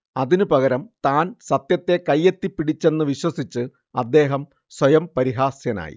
അതിന് പകരം താൻ സത്യത്തെ കയ്യെത്തിപ്പിടിച്ചെന്ന് വിശ്വസിച്ച് അദ്ദേഹം സ്വയം പരിഹാസ്യനായി